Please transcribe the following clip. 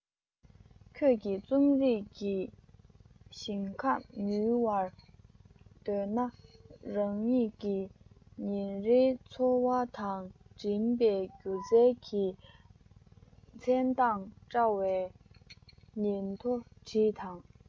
ཁྱོད ཀྱིས རྩོམ རིག གི ཞིང ཁམས ཉུལ བར འདོད ན རང ཉིད ཀྱི ཉིན རེའི འཚོ བ དང འབྲེལ བའི སྒྱུ རྩལ གྱི མཚན མདངས བཀྲ བའི ཉིན ཐོ བྲིས དང